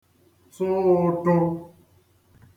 -tụ ụṭụ̄